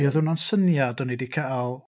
Mi oedd hwnna'n syniad o'n i 'di cael...